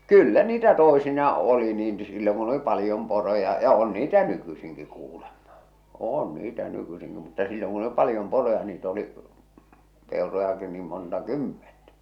kyllä niitä toisinaan oli niin silloin kun oli paljon poroja ja on niitä nykyisinkin kuulemma on niitä nykyisinkin mutta silloin kun oli paljon poroja niitä oli peurojakin niin monta kymmentä